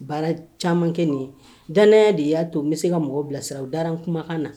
Baara camankɛ nin ye dan de y'a to bɛ se ka mɔgɔ bilasira u dara kumakan na